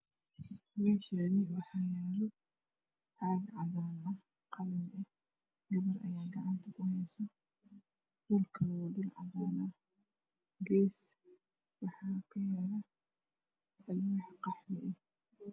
Meeshaani waxaa yaalo caagag cadaan gabar ayaa gacanta ku yahso dhulkana waa shul cadaan gee swaxa aku yaalo alwaax qaxwi